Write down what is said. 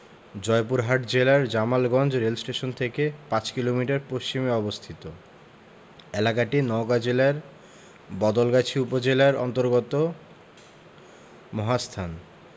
জয়পুরহাট জেলার জামালগঞ্জ রেলস্টেশন থেকে ৫ কিলোমিটার পশ্চিমে অবস্থিত এলাকাটি নওগাঁ জেলার বদলগাছি উপজেলার অন্তর্গত মহাস্থান